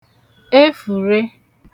efùre